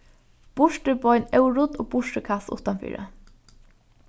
burturbein órudd og burturkast uttanfyri